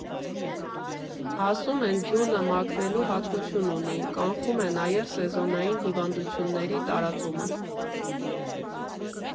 Ասում են՝ ձյունը մաքրելու հատկություն ունի, կանխում է նաև սեզոնային հիվանդությունների տարածումը։